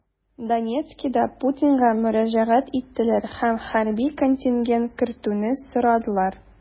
Донецкида Путинга мөрәҗәгать иттеләр һәм хәрби контингент кертүне сорадылар.